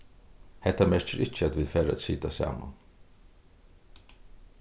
hetta merkir ikki at vit fara at sita saman